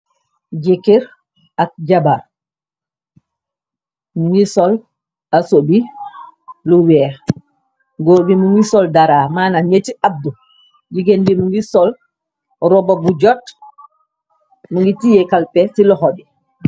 Jekkir ak jabar mu ngi sol asobi lu weex. Góor bi mu ngi sol dara maana ñeti addu, jigéen bi mu ngi sol roba bu jot mungi tiye kalpe ci loxo bi.